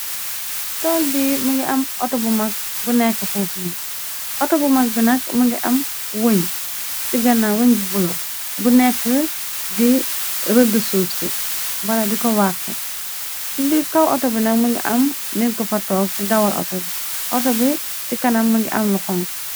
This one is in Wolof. Toll bi më ngi am auto bu mag bu nekk fuuf mu ato bu mag bi nag më ngi am wëñ ci ganna weñ bu bulo bu nekk di rëdd suuf si bala di ko waaxe ci bi kaw auto bi nag më ngi am nit ko pa took di dawal auto bi auto bi ci kanam mangi am lu xong.